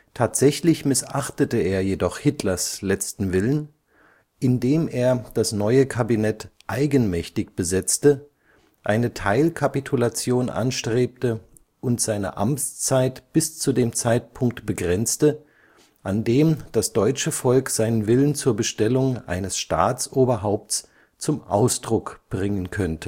Tatsächlich missachtete er jedoch Hitlers letzten Willen, indem er das neue Kabinett eigenmächtig besetzte, eine Teilkapitulation anstrebte und seine Amtszeit bis zu dem Zeitpunkt begrenzte, an dem das deutsche Volk seinen Willen zur Bestellung eines Staatsoberhaupts zum Ausdruck bringen könne